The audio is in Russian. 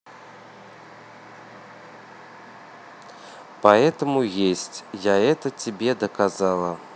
поэтому есть я это тебе доказала